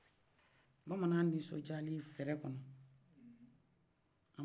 bamanan ninsɔn jalen fɛrɛ kɔnɔ